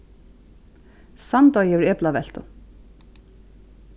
sandoy hevur eplaveltu